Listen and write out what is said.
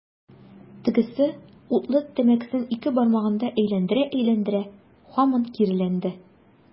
Тегесе, утлы тәмәкесен ике бармагында әйләндерә-әйләндерә, һаман киреләнде.